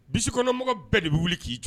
Bi kɔnɔmɔgɔ bɛɛ de bɛi wuli k'i jɔ